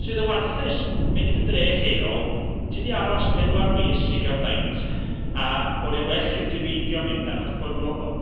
Sydd yn warthus. Mynd i dy dre lleol, ti 'di aros pedwar mis i gael peint a bod hi well gen ti beidio mynd achos bod nhw...